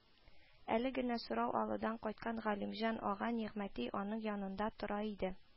Әле генә сорау алудан кайткан Галимҗан ага Нигъмәти аның янында тора иде